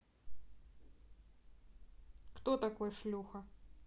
кто такой шлюха